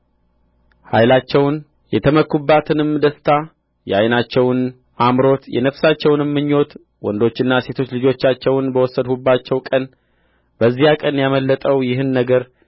ኃይላቸውን የተመኩበትንም ደስታ የዓይናቸውን አምሮት የነፍሳቸውንም ምኞት ወንዶችና ሴቶች ልጆቻቸውን በወሰድሁባቸው ቀን በዚያ ቀን ያመለጠው ይህን ነገር